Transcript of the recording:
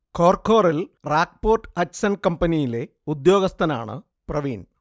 Khor ഖോറിൽ RAK port Hutchison കമ്പനിയിലെ ഉദ്യോഗസ്ഥനാണ് പ്രവീൺ